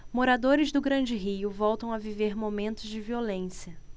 moradores do grande rio voltam a viver momentos de violência